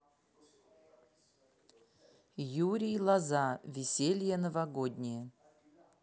юрий лоза веселье новогоднее